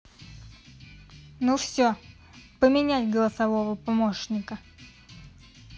ну все поменять голосового помощника